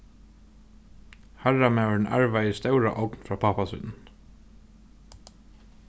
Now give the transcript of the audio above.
harramaðurin arvaði stóra ogn frá pápa sínum